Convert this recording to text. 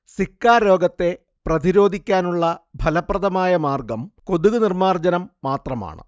Zika രോഗത്തെ പ്രതിരോധിക്കാനുള്ള ഫലപ്രദമായ മാർഗ്ഗം കൊതുകുനിർമ്മാർജ്ജനം മാത്രമാണ്